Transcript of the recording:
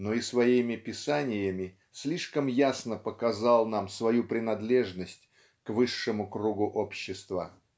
но и своими писаниями слишком ясно показал нам свою принадлежность к высшему кругу общества.